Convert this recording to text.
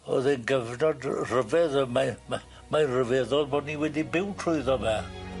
O'dd e'n gyfnod r- rhyfedd a mae'n ma' mae'n ryfeddol bod ni wedi byw trwyddo fe.